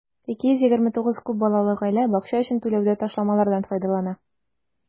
229 күп балалы гаилә бакча өчен түләүдә ташламалардан файдалана.